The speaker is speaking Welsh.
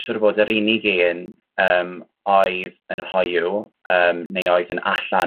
siŵr o fod yr unig un yym oedd yn hoyw yym neu oedd yn allan